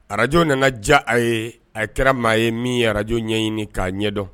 Arajo nana diya a ye a kɛra maa ye min arajo ɲɛɲini k'a ɲɛdɔn